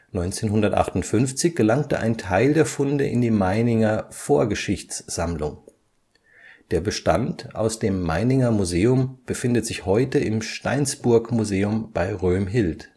1958 gelangte ein Teil der Funde in die Meininger Vorgeschichtssammlung. Der Bestand aus dem Meininger Museum befindet sich heute im Steinsburgmuseum bei Römhild